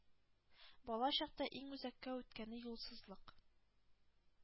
Балачакта иң үзәккә үткәне — юлсызлык,